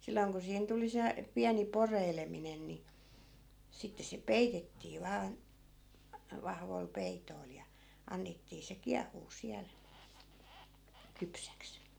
silloin kun siihen tuli se pieni poreileminen niin sitten se peitettiin vain vahvoilla peitoilla ja annettiin se kiehua siellä kypsäksi